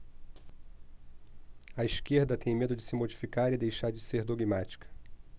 a esquerda tem medo de se modificar e deixar de ser dogmática